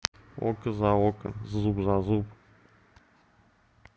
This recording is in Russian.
око за око зуб за зуб